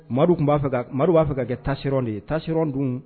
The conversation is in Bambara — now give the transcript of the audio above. Madu tun b'a fɛ ka kɛ Madu b'a fɛ ka kɛ tâcheron de ye tâcheron dun